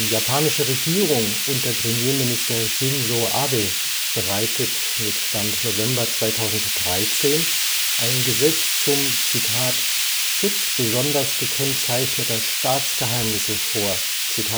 japanische Regierung unter Premierminister Shinzō Abe bereitet (Stand November 2013) ein Gesetz ‚ zum Schutz besonders gekennzeichneter Staatsgeheimnisse ‘vor. Sie